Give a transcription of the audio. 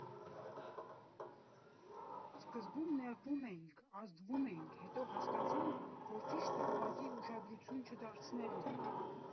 Սկզբում նեղվում էինք, ազդվում էինք, հետո հասկացանք, որ ճիշտը ուղղակի ուշադրություն չդարձնելն է։